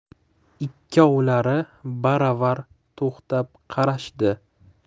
ikkovlari baravar to'xtab qarashdi